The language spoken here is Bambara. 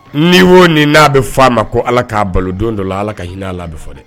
Ni o ni n'a bɛ fɔ a ma ko ala k'a balo don dɔ la Ala ka hinɛ a la bɛ fɔ dɛ